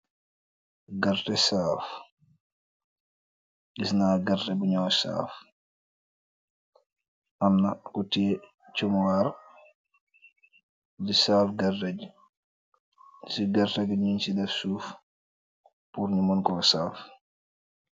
Gerrteh saaff, gisna gerrteh bu njur saaff, amna ku tiyeh chinwarr dii saaff gerrteh gi, cii gerrteh bii nging cii def suff pur nju munkor saaff.